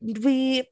Nid fi.